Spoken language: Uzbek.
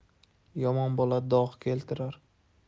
yomon bola dog' keltirar